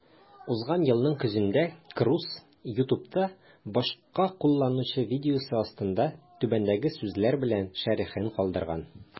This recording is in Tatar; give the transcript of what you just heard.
Узган елның көзендә Круз YouTube'та башка кулланучы видеосы астында түбәндәге сүзләр белән шәрехен калдырган: